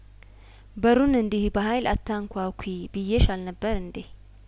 በሩን እንዲህ በሀይል አታንኳኲ ብዬሽ አልነበር እንዴ